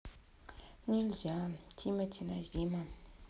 нельзя тимати назима